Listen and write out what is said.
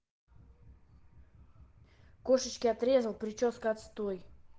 кошечки отрезал прическа отстой